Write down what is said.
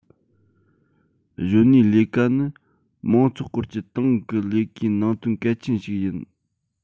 གཞོན ནུའི ལས ཀ ནི མང ཚོགས སྐོར གྱི ཏང གི ལས ཀའི ནང དོན གལ ཆེན ཞིག ཡིན